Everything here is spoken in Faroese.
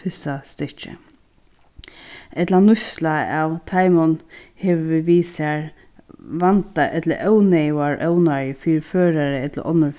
fyrsta stykki ella nýtsla av teimum við sær vanda ella óneyðugar ónáðir fyri førara ella onnur